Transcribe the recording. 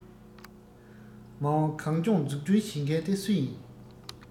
མ འོངས གངས ལྗོངས འཛུགས སྐྲུན བྱེད མཁན དེ སུ ཡིན